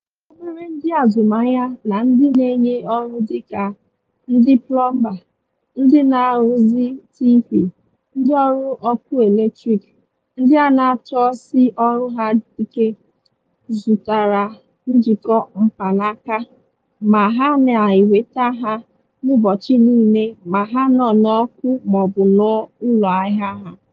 N'ihi ya, obere ndị azụmahịa na ndị na-enye ọrụ dịka ndị plọmba / ndị na-arụzi TV / ndịọrụ ọkụ eletrik (ndị a na-achọsi ọrụ ha ike) zụtara njikọ mkpanaka ma a na-enweta ha n'ụbọchị niile ma ha nọ n'oku maọbụ n'ụlọahịa ha.